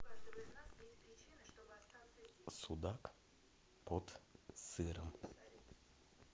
судак под сыром